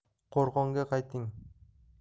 qo'rg'onga qayting